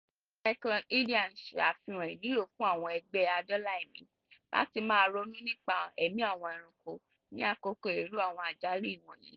Cyclone Idai ń ṣe àfihàn ìnílò fún àwọn ẹgbẹ́ adóòlà-ẹ̀mí láti máa ronú nípa ẹ̀mí àwọn ẹranko ní àkókò irú àwọn àjálù ìwọ̀n yìí.